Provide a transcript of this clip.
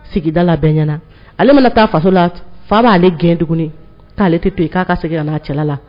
Sigida la bɛ ɲɛna ale mana taa faso la t fa b'ale gɛn tuguni k'ale tɛ to ye k'a ka segin kan'a cɛla la